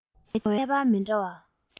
བྲོ བའི ཁྱད པར མི འདྲ བ